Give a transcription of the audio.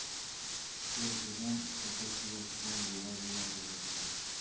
Күрешүдән, утырып сөйләшүдән зарар булмас әлбәттә.